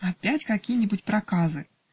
-- "Опять какие-нибудь проказы!